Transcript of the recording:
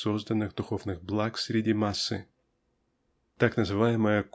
созданных духовных благ среди массы. Т<ак> наз<ываемая